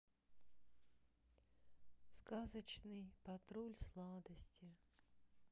сказочный патруль сладости